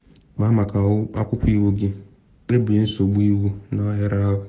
Kpaa maka akwụkwọ iwu gị: Kpebie nsogbu iwu n’ohere ahụ.